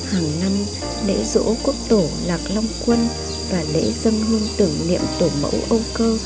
hàng năm lễ giỗ quốc tổ lạc long quân và lễ dâng hương tưởng niệm tổ mẫu âu cơ